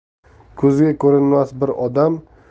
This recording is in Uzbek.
ko'zga ko'rinmas bir odam